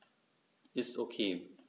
Ist OK.